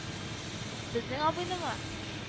— безнең абыйнымы